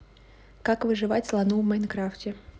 как выживать слону в майнкрафте